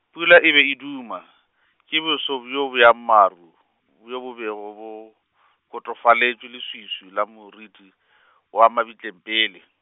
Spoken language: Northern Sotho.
pula e be e duma, ke boso bjo bja maru, bjo bo bego bo, kotofaletša leswiswi la moriti , wa mabitleng pele.